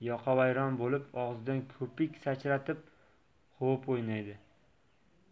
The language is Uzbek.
yoqavayron bo'lib og'zidan ko'pik sachratib xo'p o'ynaydi